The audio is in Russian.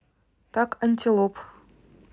так антилоп